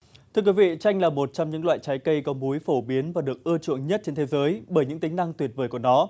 thưa quý vị chanh là một trong những loại trai cây có muối phổ biến và được ưa chuộng nhất trên thế giới bởi những tính năng tuyệt vời của nó